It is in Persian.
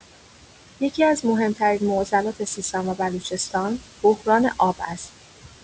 یکی‌از مهم‌ترین معضلات سیستان و بلوچستان، بحران آب است.